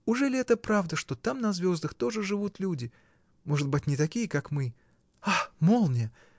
— Ужели это правда, что там, на звездах, тоже живут люди? Может быть, не такие, как мы. Ах, молния!